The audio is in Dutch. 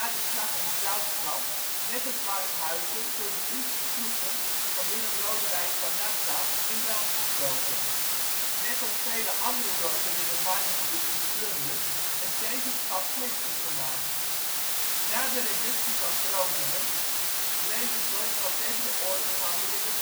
de Slag om Zoutkamp net als Warfhuizen door de Friese troepen van Willem Lodewijk van Nassau in brand gestoken, net als vele andere dorpen in het Marnegebied geplunderd en tevens schatplichtig gemaakt. Na de reductie van Groningen bleef het dorp van verdere oorlogshandelingen